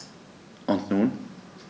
Und nun?